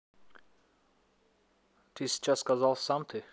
ты сейчас сказал сам ты